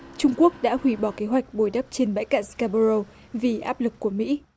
trung quốc đã hủy bỏ kế hoạch bồi đắp trên bãi cạn sờ ca bơ râu vì áp lực của mỹ